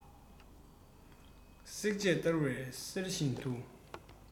སྲེག བཅད བརྡར བའི གསེར བཞིན དུ